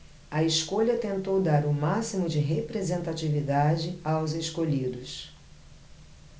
a escolha tentou dar o máximo de representatividade aos escolhidos